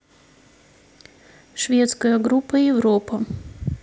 шведская группа европа